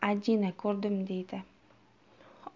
ajina ko'rdim deydi